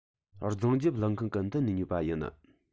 རྫོང རྒྱབ ཀླུ ཁང གི མདུན ནས ཉོས པ ཡིན